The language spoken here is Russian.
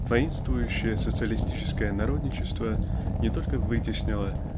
воинствующее социалистическое народничество не только вытеснило